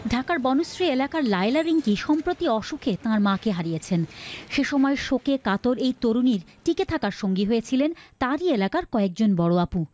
ঢাকার বনশ্রী এলাকার লায়লা রিংকি সম্প্রতি এক অসুখে তার মাকে হারিয়েছেন সে সময় শোকে কাতর এই তরুণী টিকে থাকার সঙ্গী হয়েছিলেন তারি এলাকার কয়েকজন বড় আপু